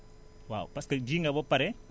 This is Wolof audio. waaw parce que ji nga ba pare